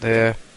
Ie.